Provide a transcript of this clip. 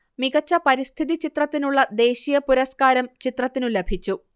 മികച്ച പരിസ്ഥിതി ചിത്രത്തിനുള്ള ദേശീയപുരസ്കാരം ചിത്രത്തിനു ലഭിച്ചു